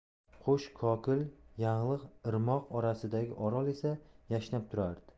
qo'sh kokil yanglig' irmoq orasidagi orol esa yashnab turadi